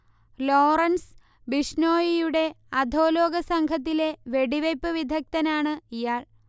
Lawrence ബിഷ്നോയിയുടെ അധോലോക സംഘത്തിലെ വെടിവെയ്പ്പ് വിദഗ്ദ്ധനാണ് ഇയാൾ